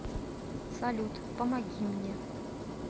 салют помоги мне